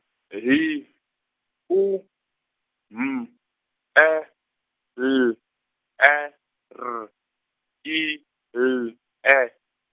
H U M E L E R I L E.